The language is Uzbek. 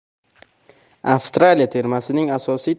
avstraliya termasining asosiy